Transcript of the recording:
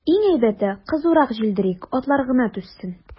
Иң әйбәте, кызурак җилдерик, атлар гына түзсен.